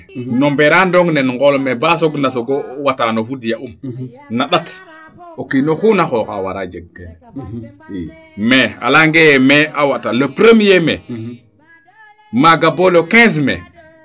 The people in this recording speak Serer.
no mberaan ndong ne ŋool Mai ba soog na soogo wata no fud ya'um na ndat o kiinoxu na xooxa wara jeg keen MAI a leya nge ye Mai a wata le :gfra premier Mai :framaaga bo le 15 Mai